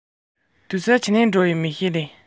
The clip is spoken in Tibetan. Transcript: འོ མ མང པོ བཏུང རྒྱུ ཡོད པའི